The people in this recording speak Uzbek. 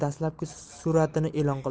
dastlabki suratini e'lon qildi